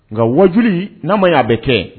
Nka waj n'a ma y'a bɛ kɛ